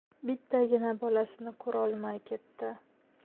bittagina bolasini ko'rolmay ketdi